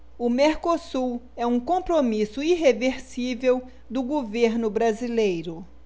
o mercosul é um compromisso irreversível do governo brasileiro